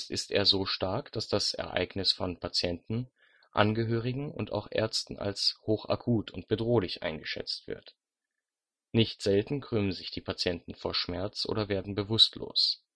ist er so stark, dass das Ereignis von Patienten, Angehörigen und auch Ärzten als hochakut und bedrohlich eingeschätzt wird. Nicht selten krümmen sich die Patienten vor Schmerz oder werden bewusstlos